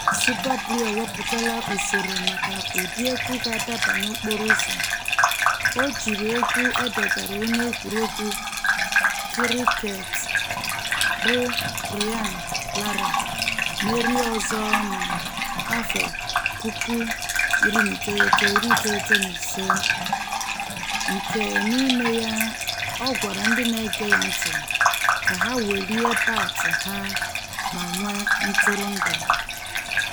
Super Blue ewepụtaala usoro maka ụdị egwu ga-adaba n'okporo ụzọ: o jiri egwu o degara onye egwuregwu kịrịkeetị bụ Brian Lara merie ọzọ na 1995, nke n'ime ya ọ gwara ndị na-ege ya ntị ka ha "welie baatị ha ma nwee ntụrụndụ".